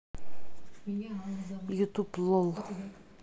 ютуб лол